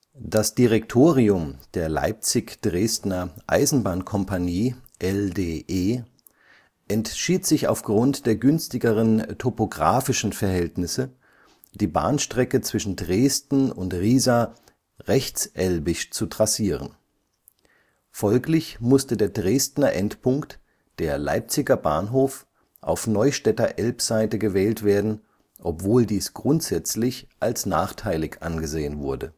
Das Direktorium der Leipzig-Dresdner Eisenbahn-Compagnie (LDE) entschied sich aufgrund der günstigeren topographischen Verhältnisse, die Bahnstrecke zwischen Dresden und Riesa rechtselbisch zu trassieren. Folglich musste der Dresdner Endpunkt, der Leipziger Bahnhof, auf Neustädter Elbseite gewählt werden, obwohl dies grundsätzlich als nachteilig angesehen wurde